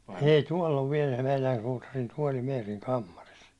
ei tuolla on vielä meidän suutarin tuoli Meerin kammarissa